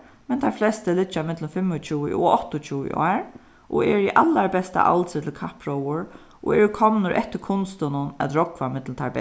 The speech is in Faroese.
men teir flestu liggja millum fimmogtjúgu og áttaogtjúgu ár og eru í allarbesta aldri til kappróður og eru komnir eftir kunstinum at rógva millum teir